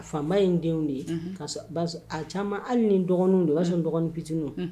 Faama ye n denw de ye unhun kasɔ basɔ a caaman hali ni n dɔgɔninw don o y'a sɔ n dɔgɔnin fitininw unh